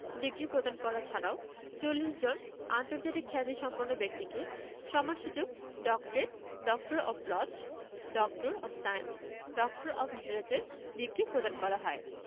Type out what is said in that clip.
degree প্রদান করা ছাড়াও ৪০ জন আন্তর্জাতিক খ্যাতিসম্পন্ন ব্যক্তিকে সম্মানসূচক doctorate doctor of laws doctor of science doctor of literature degree প্রদান করা হয়